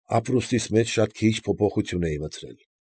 Ապրուստիս մեջ շատ քիչ փոփոխություն էի մտցրել։